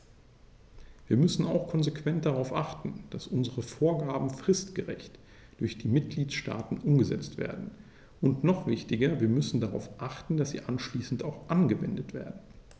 Wir müssen auch konsequent darauf achten, dass unsere Vorgaben fristgerecht durch die Mitgliedstaaten umgesetzt werden, und noch wichtiger, wir müssen darauf achten, dass sie anschließend auch angewendet werden.